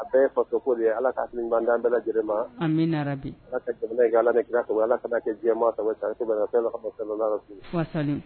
A bɛɛ ye faso ko de ye . Ala k ka hakili ɲuman dan bɛɛ lajɛlen ma. Amina yarabi. Ala ka jamana in kɛ Alakira sago ye, Ala ka na kɛ diɲɛ maa sago ye